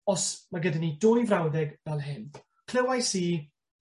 os ma' gyda ni dwy frawddeg fel hyn clywais i